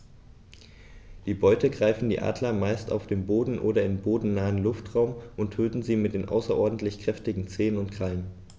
Die Beute greifen die Adler meist auf dem Boden oder im bodennahen Luftraum und töten sie mit den außerordentlich kräftigen Zehen und Krallen.